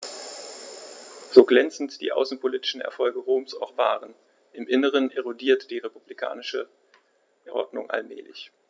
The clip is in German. So glänzend die außenpolitischen Erfolge Roms auch waren: Im Inneren erodierte die republikanische Ordnung allmählich.